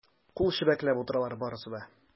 Кул чәбәкләп утыралар барысы да.